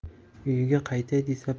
uyiga qaytay desa